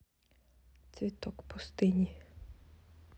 цветок пустыни